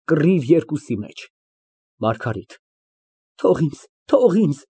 Կռիվ երկուսի մեջ։ ՄԱՐԳԱՐԻՏ ֊ Թող ինձ, թող ինձ։